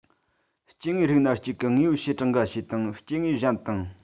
སྐྱེ དངོས རིགས སྣ གཅིག གི དངོས པོའི བྱེ བྲག འགའ ཤས དང སྐྱེ དངོས གཞན དང